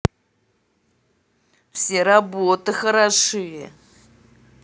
все работы хороши